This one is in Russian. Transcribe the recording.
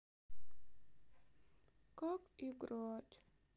как играть